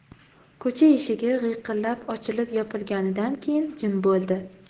ko'cha eshik g'iyqillab ochilib yopilganidan keyin jim buldi